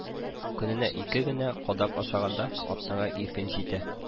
Көненә ике генә кадак ашаганда, атнага иркен җитә"